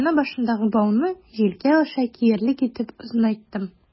Чана башындагы бауны җилкә аша киярлек итеп озынайттым.